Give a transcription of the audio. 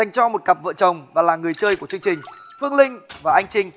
dành cho một cặp vợ chồng và là người chơi của chương trình phương linh và anh trinh